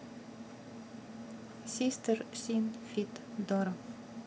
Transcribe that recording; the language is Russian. систер син фит доро